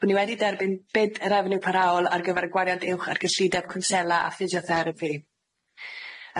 bo ni wedi derbyn byd y refniw parhaol ar gyfer y gwariant uwch ar gyllideb cwnsela a physiotherapi.